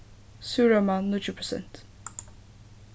súrróma níggju prosent